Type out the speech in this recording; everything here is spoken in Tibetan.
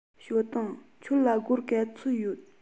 ཞའོ ཏུང ཁྱོད ལ སྒོར ག ཚོད ཡོད